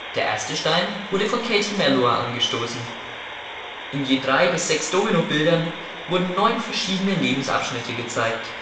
erste Stein wurde von Katie Melua angestoßen. In je drei bis sechs Dominobildern wurden neun verschiedene Lebensabschnitte gezeigt